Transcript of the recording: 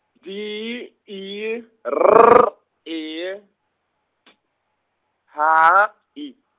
D I R E T H I.